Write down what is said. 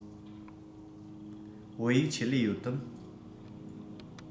བོད ཡིག ཆེད ལས ཡོད དམ